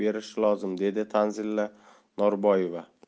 berishi lozim dedi tanzila norboyeva